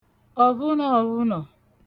ọ̀vhụnọ̀ọ̀vhụnọ̀